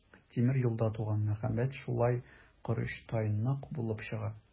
Тимер юлда туган мәхәббәт шулай корычтай нык булып чыга.